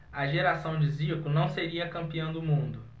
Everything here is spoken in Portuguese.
a geração de zico não seria campeã do mundo